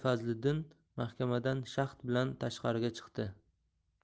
fazliddin mahkamadan shaxt bilan tashqariga chiqdi